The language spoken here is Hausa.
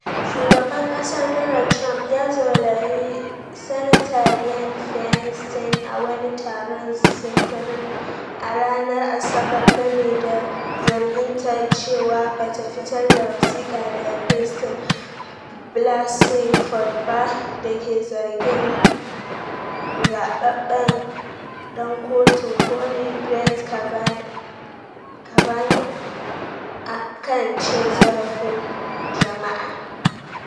Shugaban kasar Donald Trump ya zolayi Sanata Dianne Feinstein a wani taron sintirin a ranar Asabar game da zarginta cewa ba ta fitar da wasika daga Christine Blasey Ford ba, da ke zargin zababben dan Kotun Koli Brett Kavanaugh akan cin zarafin jima'i.